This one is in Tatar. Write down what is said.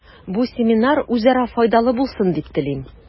Бу семинар үзара файдалы булсын дип телим.